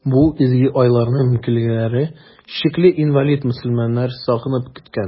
Бу изге айларны мөмкинлекләре чикле, инвалид мөселманнар сагынып көткән.